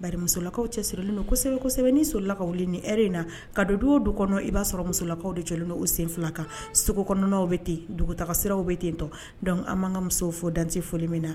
Ba musokaw cɛ sirilen donsɛbɛsɛbɛ ni sola ka wuli ni e in na ka don don du kɔnɔ i b'a sɔrɔ musokaw de jɔlen na o sen fila kan sogo kɔnɔn bɛ ten yen dugutaa siraw bɛ ten to dɔnku an'an ka muso fo dante foli min na